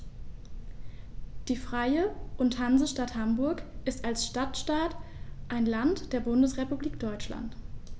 Die Freie und Hansestadt Hamburg ist als Stadtstaat ein Land der Bundesrepublik Deutschland.